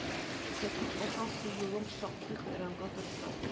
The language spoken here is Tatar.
Исәпли калсаң су юлың шактый хәйранга тарта